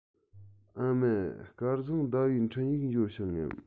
ཨ མ སྐལ བཟང ཟླ བའི འཕྲིན ཡིག འབྱོར བྱུང ངམ